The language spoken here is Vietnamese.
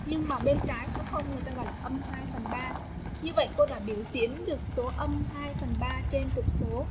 nhưng mà bên trái số không người ta gọi là phần biểu diễn được số âm phần trên trục số